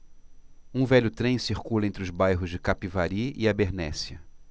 um velho trem circula entre os bairros de capivari e abernéssia